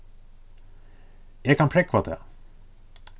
eg kann prógva tað